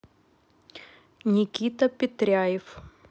никита петряев